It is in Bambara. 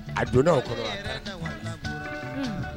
A donna o kɔnɔ, a taara, unhun,